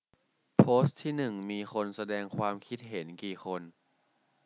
โพสต์ที่หนึ่งมีคนแสดงความคิดเห็นกี่คน